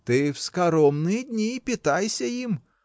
— Ты в скоромные дни и питайся им!